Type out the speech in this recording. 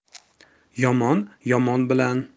yomon yomon bilan